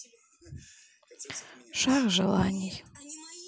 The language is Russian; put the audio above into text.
шар желаний